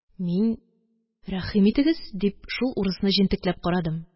Мин: – Рәхим итегез! – дип, шул урысны җентекләп карадым.